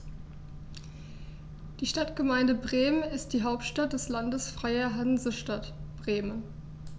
Die Stadtgemeinde Bremen ist die Hauptstadt des Landes Freie Hansestadt Bremen.